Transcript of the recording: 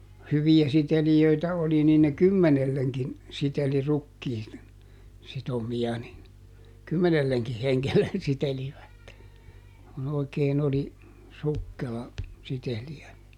no hyviä sitelijöitä oli niin ne kymmenellekin siteli rukiin sitomia niin kymmenellekin hengelle sitelivät kun oikein oli sukkela sitelijä